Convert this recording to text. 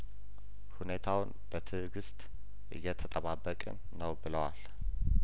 ሁኔታውን በትእግስት እየተጠባበቅን ነው ብለዋል